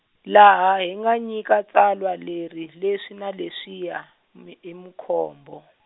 laha hi nga nyika tsalwa leri leswi na leswiya, mi- hi Mkhombo.